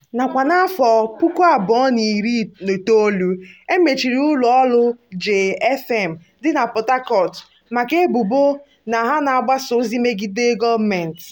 Nakwa n'afọ 2019, e mechiri ụlọ ọrụ Jay FM dị na Port Harcourt maka ebubo na ha na-agbasa ozi megide gọọmentị.